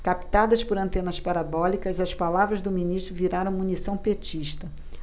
captadas por antenas parabólicas as palavras do ministro viraram munição petista